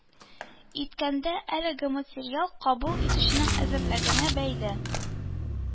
Иткәндә, әлеге материал, кабул итүченең әзерлегенә бәйле,